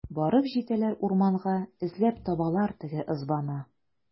Барып җитәләр урманга, эзләп табалар теге ызбаны.